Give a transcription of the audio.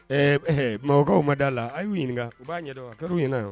Ɛɛ mɔgɔwkaw ma da la a y'u ɲininka ɲɛna